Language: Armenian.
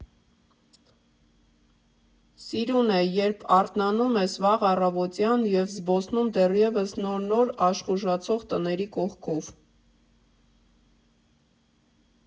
Սիրուն է, երբ արթնանում ես վաղ առավոտյան և զբոսնում դեռևս նոր֊նոր աշխուժացող տների կողքով։